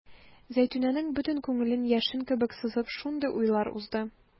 Зәйтүнәнең бөтен күңелен яшен кебек сызып шундый уйлар узды.